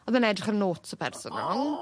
Odd e'n edrych ar notes y person rong.